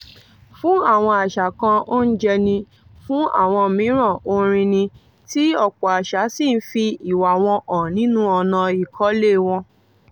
Fún àwọn àṣà kan, oúnjẹ ni, fún àwọn mìíràn orin ni, tí ọ̀pọ̀ àṣà sì ń fi ìwà wọn hàn nínú ọ̀nà ìkọ́lé wọn.